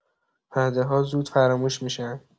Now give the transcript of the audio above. وعده‌ها زود فراموش می‌شن.